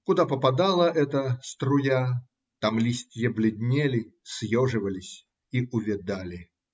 Куда попадала эта струя, там листья бледнели, съеживались и увядали.